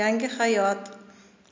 yangi hayot